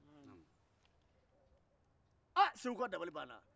aa segukaw dabali banna